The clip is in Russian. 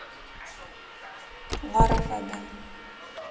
лара фабиан